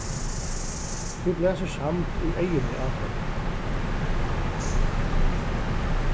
tú blæsur sand í eyguni á teimum